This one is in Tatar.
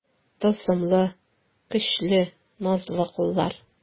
Тылсымлы, көчле, назлы куллар.